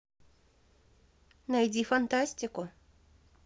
найди фантастику